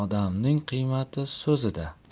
odamning qimmati so'zida